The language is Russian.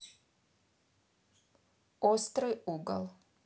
острый угол